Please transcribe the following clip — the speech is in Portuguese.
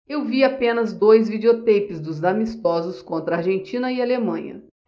eu vi apenas dois videoteipes dos amistosos contra argentina e alemanha